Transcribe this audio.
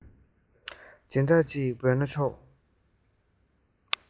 སྦྱིན བདག ཅེས འབོད ན ཆོག